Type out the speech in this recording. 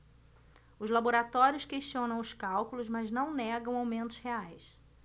os laboratórios questionam os cálculos mas não negam aumentos reais